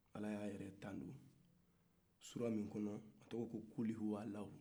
ala ya yɛrɛ tanu sura min kɔnɔ a tɔgɔ ko kulihuwalayu